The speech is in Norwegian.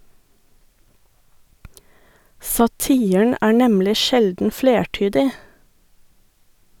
Satiren er nemlig sjelden flertydig.